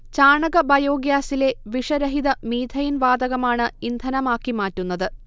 ചാണക ബയോഗ്യാസിലെ വിഷരഹിത മീഥെയ് ൻ വാതകമാണ് ഇന്ധനമാക്കി മാറ്റുന്നത്